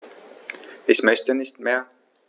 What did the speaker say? Ich möchte nicht mehr.